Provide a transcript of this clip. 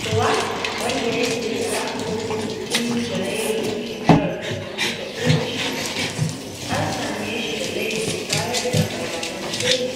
Touati, wanda yake tsare a kurkuku tun Janairun 2017, an same shi da laifin bayar da “bayanan sirri